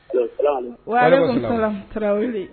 Wa tarawele